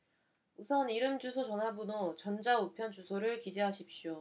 우선 이름 주소 전화번호 전자 우편 주소를 기재하십시오